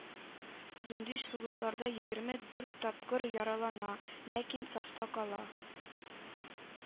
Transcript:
Дундич сугышларда егерме дүрт тапкыр яралана, ләкин сафта кала